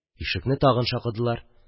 Ишекне тагын шакыдылар.